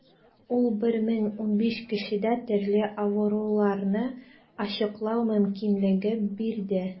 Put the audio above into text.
Ул 1015 кешедә төрле авыруларны ачыклау мөмкинлеге бирде.